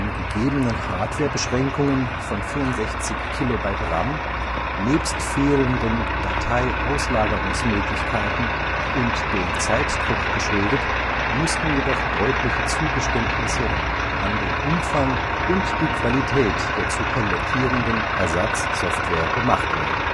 gegebenen Hardware­beschränkungen von 64 KB RAM nebst fehlenden Datei-Auslagerungs­möglichkeiten und dem Zeitdruck geschuldet, mussten jedoch deutliche Zugeständnisse an den Umfang und die Qualität der zu konvertierenden Ersatzsoftware gemacht werden